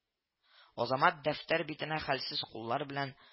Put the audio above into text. Азамат дәфтәр битенә хәлсез куллар белән